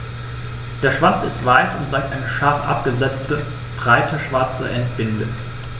Der Schwanz ist weiß und zeigt eine scharf abgesetzte, breite schwarze Endbinde.